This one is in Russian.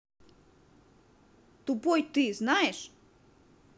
тупой ты знаешь